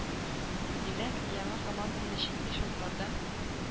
Димәк, яңа команданы җитди шартларда